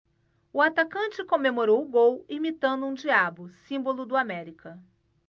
o atacante comemorou o gol imitando um diabo símbolo do américa